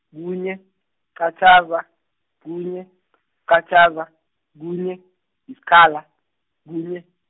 kunye, -qatjhaza, kunye, -qatjhaza, kunye, yisikhala, kunye.